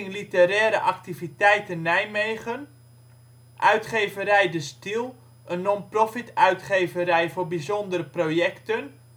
Literaire Activiteiten Nijmegen Uitgeverij De Stiel, non-profituitgeverij voor bijzondere projecten